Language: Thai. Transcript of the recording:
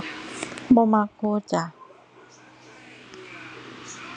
บ่มักโพสต์จ้ะ